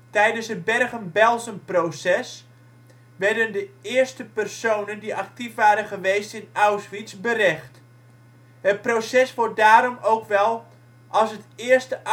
Tijdens het Bergen-Belsenproces werden de eerste personen die actief waren geweest in Auschwitz berecht. Het proces wordt daarom ook wel als het eerste